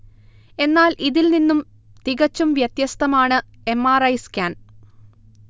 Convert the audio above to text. എന്നാൽ ഇതിൽ നിന്നും തികച്ചും വ്യത്യസ്തമാണ് എം. ആർ. ഐ. സ്കാൻ